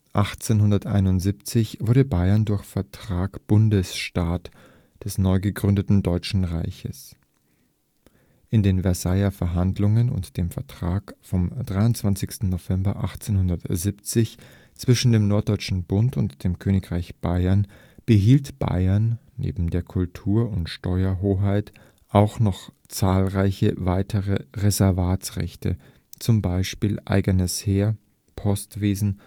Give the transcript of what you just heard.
1871 wurde Bayern durch Vertrag Bundesstaat des neu gegründeten Deutschen Reiches. In den Versailler Verhandlungen und dem Vertrag vom 23. November 1870 zwischen dem Norddeutschen Bund und dem Königreich Bayern behielt Bayern neben der Kultur - und Steuerhoheit auch noch zahlreiche weitere Reservatrechte, zum Beispiel eigenes Heer, Postwesen